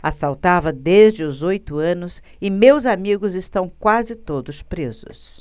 assaltava desde os oito anos e meus amigos estão quase todos presos